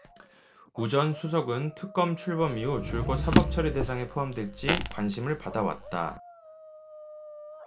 우 전 수석은 특검 출범 이후 줄곧 사법처리 대상에 포함될지 관심을 받아왔다